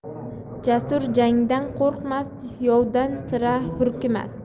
jasur jangdan qo'rqmas yovdan sira hurkmas